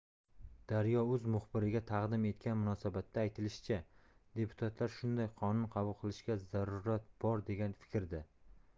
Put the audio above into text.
daryouz muxbiriga taqdim etgan munosabatda aytilishicha deputatlar shunday qonun qabul qilishga zarurat bor degan fikrda